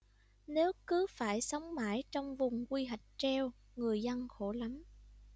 nếu cứ phải sống mãi trong vùng quy hoạch treo người dân khổ lắm